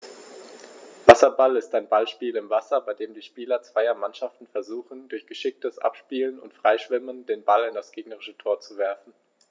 Wasserball ist ein Ballspiel im Wasser, bei dem die Spieler zweier Mannschaften versuchen, durch geschicktes Abspielen und Freischwimmen den Ball in das gegnerische Tor zu werfen.